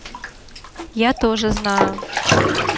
я тоже знаю